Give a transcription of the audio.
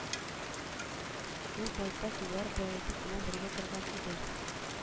Ул байтак еллар Баязит белән бергә торган иде